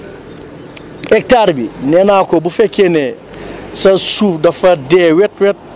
hectare bi nee naa ko bu fekkee ne sa suuf dafa dee wett wett